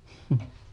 mm